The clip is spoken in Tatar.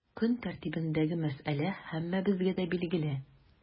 Көн тәртибендәге мәсьәлә һәммәбезгә дә билгеле.